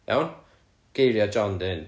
iawn geiria John 'di'n hyn